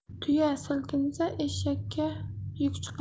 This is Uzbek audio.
tuya silkinsa eshakka yuk chiqar